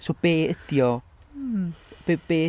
So be ydy o?... Hmm... B- be...